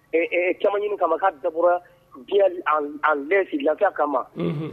Cɛman ɲini kama ka dabɔra bi an lesi laya kama